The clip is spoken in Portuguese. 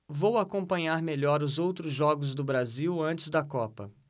vou acompanhar melhor os outros jogos do brasil antes da copa